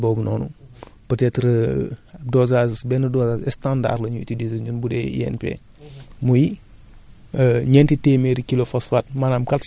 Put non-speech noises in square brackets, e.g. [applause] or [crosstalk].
[hesitation] [hesitation] waaw xam naa bu delloo ci do wàllu dosage phosphate boobu noonu peut être [hesitation] dosage benn dosage standard la ñuy utiliser ñun bu dee INP